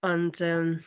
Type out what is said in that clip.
Ond, yym...